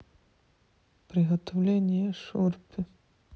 приготовление шурпы